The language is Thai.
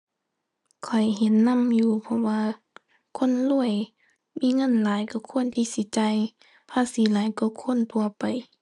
ข้อยเห็นนำอยู่ เพราะว่าคนรวยมีเงินหลายก็ควรที่สิจ่ายภาษีหลายกว่าคนทั่วไป